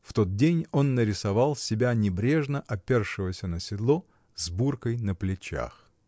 В тот день он нарисовал себя небрежно опершегося на седло, с буркой на плечах.